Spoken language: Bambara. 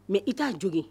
Mɛ i t'a jo